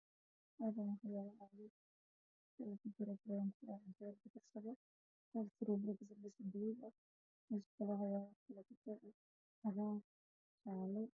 Waa caagad waxa ku jira midabkeedu yahay pinki